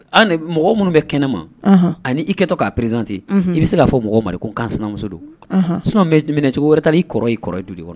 Mɔgɔ minnu bɛ kɛnɛma ani i kɛ tɔ k'a presenter i bɛ se k'a fɔ mɔgɔw ma de ko n kansinamuso do sinon minɛcogo wɛrɛ t'ala i kɔrɔ y'i kɔrɔ ye.